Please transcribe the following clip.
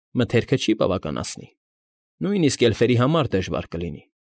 Մթերքը չի բավականանցի, նույնիսկ էլֆերի համար դժվար կլինի։